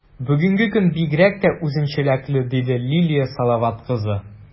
Бүгенге көн бигрәк тә үзенчәлекле, - диде Лилия Салават кызы.